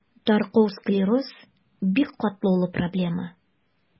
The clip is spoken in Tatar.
Таркау склероз – бик катлаулы проблема.